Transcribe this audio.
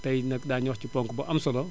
tey nag daañu wax ci ponk bu am solo